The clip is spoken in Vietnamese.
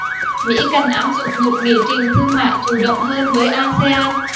mỹ cần áp dụng một nghị trình thương mại chủ động hơn với asean